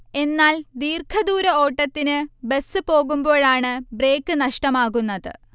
എന്നാൽ ദീർഘദൂര ഓട്ടതതിന് ബസ് പോകുമ്പോഴാണ് ബ്രേക്ക് നഷ്ടമാകുന്നത്